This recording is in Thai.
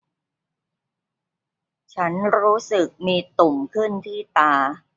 ฉันรู้สึกมีตุ่มขึ้นที่ตา